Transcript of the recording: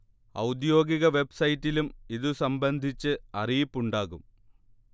ഔദ്യോഗിക വെബ്സൈറ്റിലും ഇതുസംബന്ധിച്ച് അറിയിപ്പുണ്ടാകും